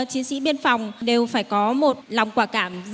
chiến sĩ biên phòng đều phải có một lòng quả cảm